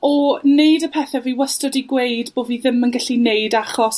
o neud y pethe fi wastad e'di gweud bo' fi ddim yn gallu neud achos